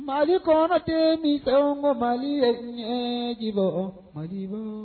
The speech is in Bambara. Malikɔrɔ den nisɔn ko mali bɛ diɲɛ bɔ mali bɔ